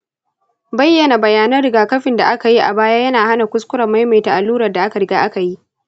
bayyana bayanan rigakafin da aka yi a baya yana hana kuskuren maimaita allurar da aka riga aka yi.